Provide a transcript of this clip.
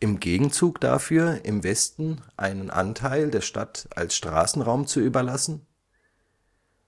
Im Gegenzug dafür im Westen einen Anteil der Stadt als Straßenraum zu überlassen,